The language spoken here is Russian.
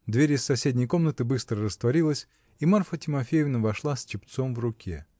Дверь из соседней комнаты быстро растворилась, и Марфа Тимофеевна вошла с чепцом в руке.